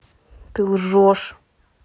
ты лжешь